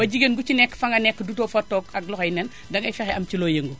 ba jigéen bu ci nekk fa nga nekk dootoo fa toog ak loxoy neen dangay fexe am ci looy yëngu